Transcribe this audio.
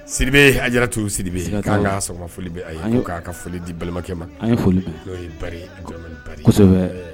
Siribe a tu siribi k'a kaoli ayi'a ka foli di balimakɛ ma